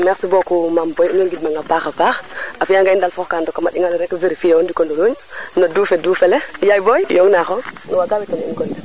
merci beaucoup Mame Boy in way ngid manga a paaxa paax a fiya ngan i ndalfo ndoka kama ɗinga le rek verifier o ndiko nduluñ no dufe dufe le yay booy yong na xon g waaga weta na in gon le